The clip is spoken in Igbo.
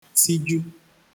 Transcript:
siju